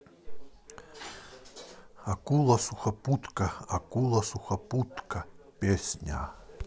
акула сухопутка акула сухопутка песня